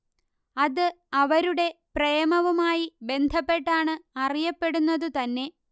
അത് അവരുടെ പ്രേമവുമായി ബന്ധപ്പെട്ടാണ് അറിയപ്പെടുന്നതു തന്നെ